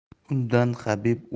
undan habib o'rin